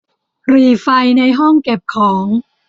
หรี่ไฟในห้องเก็บของ